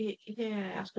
I-, ie, a'r...